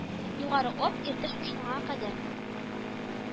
Югары Об Иртеш кушылган кадәр